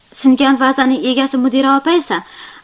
singan vazaning egasi mudira opa esa